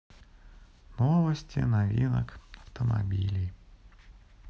новости новинок автомобилей